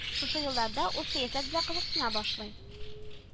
Шушы елларда ул сәясәт белән кызыксына башлый